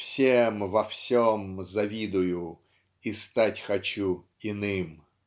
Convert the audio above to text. Всем во всем завидую И стать хочу иным.